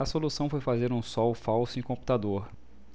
a solução foi fazer um sol falso em computador